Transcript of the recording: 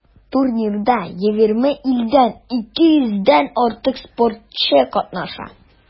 Турнирда 20 илдән 200 дән артык спортчы катнаша.